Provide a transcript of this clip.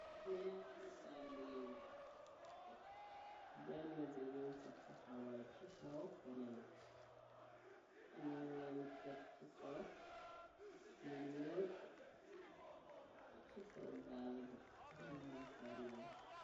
Nyaari dalla yi weex benn bi ñum ko taxawal ci kaw penen bi ñun leen teg ci kaw lu ñul ci kaw dàll bi am nala fay melax.